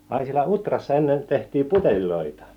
ai siellä Utrassa ennen tehtiin puteleja